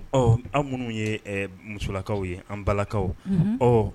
Ɔ an minnu ye musolakaw ye an balakaw ɔ